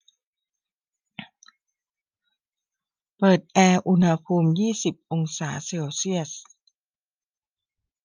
เปิดแอร์อุณหภูมิยี่สิบองศาเซลเซียส